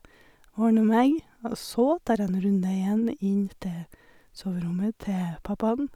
Ordner meg, og så tar jeg en runde igjen inn til soverommet til pappaen.